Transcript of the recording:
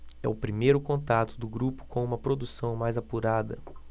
é o primeiro contato do grupo com uma produção mais apurada